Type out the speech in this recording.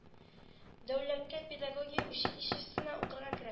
Дәүләкән педагогия училищесына укырга керә